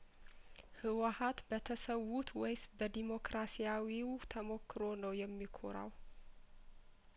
ህወሀት በተሰዉት ወይስ በዲሞክራሲያዊው ተሞክሮው ነው የሚኮራው